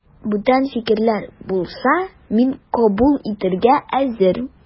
Бүтән фикерләр булса, мин кабул итәргә әзер.